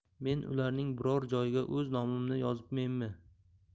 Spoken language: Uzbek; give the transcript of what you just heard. men ularning biror joyiga o'z nomimni yozibmenmi